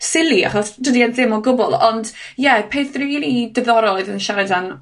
sili, achos dydi e ddim o gwbl. Ond, ie, peth rili diddorol oedd yn siarad arno